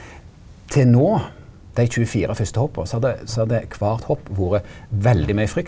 til nå dei 24 fyrste hoppa så hadde så hadde kvart hopp vore veldig mykje frykt.